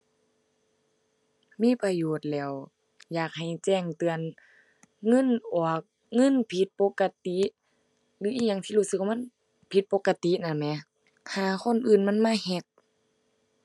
มีประโยชน์แหล้ว อยากให้แจ้งเตือน เงินออก เงินผิดปกติ หรืออิหยังที่รู้สึกว่ามันผิดปกติน่ะแหม ห่าคนอื่นมันมาแฮ็ก